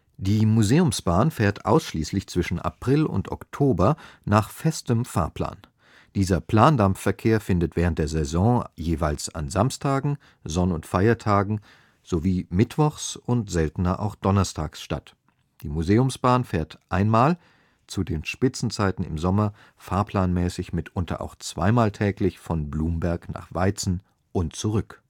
Die Museumsbahn fährt ausschließlich zwischen April und Oktober nach festem Fahrplan. Dieser Plandampf-Verkehr findet während der Saison jeweils an Samstagen, Sonn - und Feiertagen sowie mittwochs und seltener auch donnerstags statt. Die Museumsbahn fährt einmal, zu den Spitzenzeiten im Sommer fahrplanmäßig mitunter auch zweimal täglich von Blumberg nach Weizen und zurück